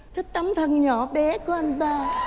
thích tấm thân nhỏ bé của anh ta